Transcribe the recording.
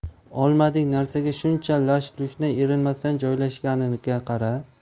olmadek narsaga shuncha lash lushni erinmasdan joylashganiga qara